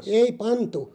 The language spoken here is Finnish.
ei pantu